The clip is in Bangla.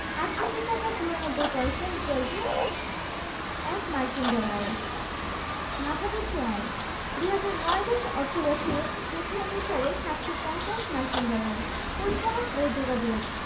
৬৮ টাকা ৯৪ পয়সা = ১ মার্কিন ডলার মাথাপিছু আয়ঃ ২০০৯ ১০ অর্থবছরের তথ্য অনুসারে ৭৫০ মার্কিন ডলার পরিবহণ ও যোগাযোগঃ